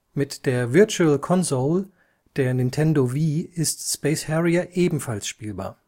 Mit der Virtual Console der Nintendo Wii ist Space Harrier ebenfalls spielbar